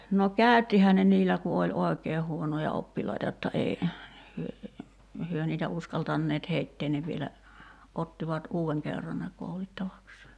no käyttihän ne niillä kun oli oikein huonoja oppilaita jotta ei he he niitä uskaltaneet heitä ne vielä ottivat uuden kerran ne koulittavakseen